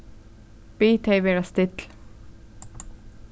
bið tey vera still